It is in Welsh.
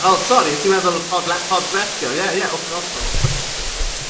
O, sori, o' ti'n meddwl y podle- pod . Ie, ie, wthnosol.